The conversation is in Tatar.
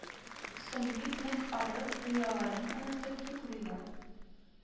Соң бик нык арып, дөньяларын онытып йоклыйлар